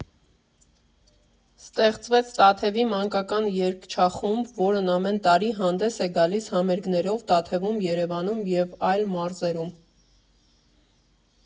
Ստեղծվեց Տաթևի մանկական երգչախումբը, որն ամեն տարի հանդես է գալիս համերգներով Տաթևում, Երևանում և այլ մարզերում։